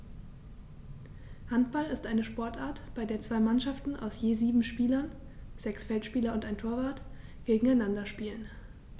Handball ist eine Sportart, bei der zwei Mannschaften aus je sieben Spielern (sechs Feldspieler und ein Torwart) gegeneinander spielen.